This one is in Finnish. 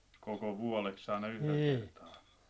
koko vuodeksi aina yhdellä kertaa